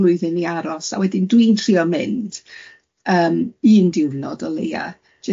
flwyddyn i aros, a wedyn dwi'n trio mynd yym un diwrnod o leia,